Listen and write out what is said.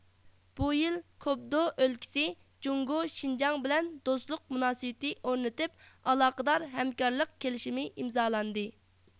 بۇ يىل كوبدو ئۆلكىسى جۇڭگو شىنجاڭ بىلەن دوستلۇق مۇناسىۋىتى ئورنىتىپ ئالاقىدار ھەمكارلىق كېلىشىمى ئىمزالاندى